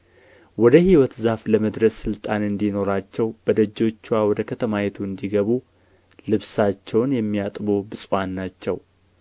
ወደ ሕይወት ዛፍ ለመድረስ ሥልጣን እንዲኖራቸው በደጆችዋም ወደ ከተማይቱም እንዲገቡ ልብሳቸውን የሚያጥቡ ብፁዓን ናቸው